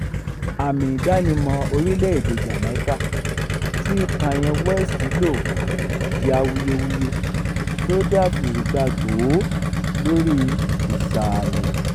Ààmì ìdánimọ̀ orílẹ̀ èdèe Jamaica tí Kanye West lò di awuyewuye tí ó dá fìrìgbagbòó lórí ìsààmì'